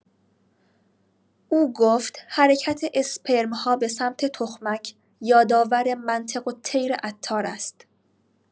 او گفت حرکت اسپرم‌ها به سمت تخمک یادآور منطق‌الطیر عطار است.